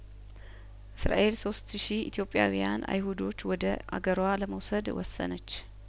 እስራኤል ሶስት ሺ ኢትዮጵያውያን አይሁዶች ወደ አገሯ ለመውሰድ ወሰነች